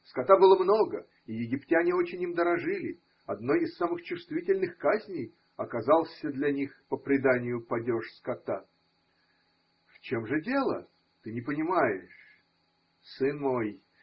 Скота было много, и египтяне очень им дорожили: одной из самых чувствительных казней оказался для них, по преданию, падеж скота. В чем же дело? Ты не понимаешь? Сын мой.